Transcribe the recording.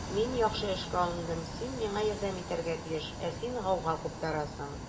Мин яхшы эшкә алындым, син миңа ярдәм итәргә тиеш, ә син гауга куптарасың.